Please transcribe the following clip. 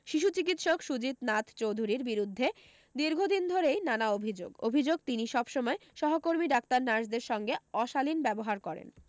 শিশু চিকিৎসক সুজিত নাথ চোধুরীর বিরুদ্ধে দীর্ঘদিন ধরেই নানা অভি্যোগ অভি্যোগ তিনি সব সময় সহকর্মী ডাক্তার নার্সদের সঙ্গে অশালীন ব্যবহার করেন